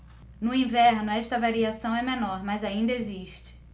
no inverno esta variação é menor mas ainda existe